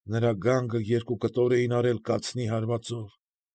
Նրա գանգը երկու կտոր էին արել կացնի հարվածով։